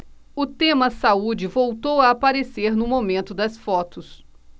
o tema saúde voltou a aparecer no momento das fotos